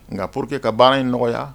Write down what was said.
Nka pour que ka baara in nɔgɔya